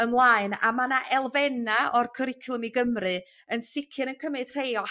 ymlaen a ma' 'na elfenna' o'r cwricwlwm i Gymru yn sicir y cymyd rhei o